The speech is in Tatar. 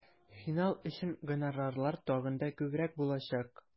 Финал өчен гонорарлар тагын да күбрәк булачак.